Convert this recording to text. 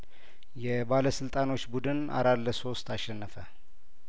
የባለስልጣኖች ቡድን አራት ለሶስት አሸነፈ